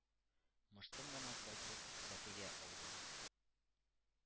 Мыштым гына кайтып, сәкегә аудым.